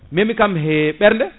memi kam he ɓerde